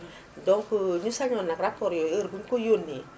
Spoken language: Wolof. donc buñu sañoon nag rapports yooyu heure buñu ko yónnee